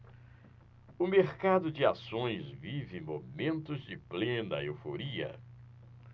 o mercado de ações vive momentos de plena euforia